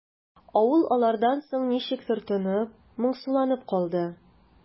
Авыл алардан соң ничектер тынып, моңсуланып калды.